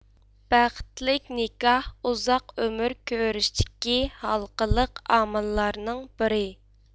بەختلىك نىكاھ ئۇزاق ئۆمۈر كۆرۈشتىكى ھالقىلىق ئامىللارنىڭ بىرى